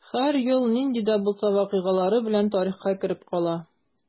Һәр ел нинди дә булса вакыйгалары белән тарихка кереп кала.